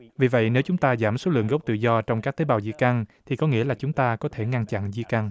vì vậy nếu chúng ta giảm số lượng gốc tự do trong các tế bào di căn thì có nghĩa là chúng ta có thể ngăn chặn di căn